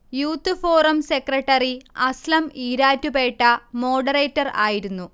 youth forum secretary Aslam Erattupetta moderator ആയിരുന്നു